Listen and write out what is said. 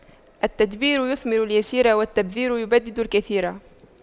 التدبير يثمر اليسير والتبذير يبدد الكثير